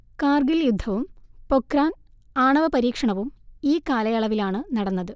കാർഗിൽ യുദ്ധവും പൊഖ്റാൻ ആണവ പരീക്ഷണവും ഈ കാലയളവിലാണ് നടന്നത്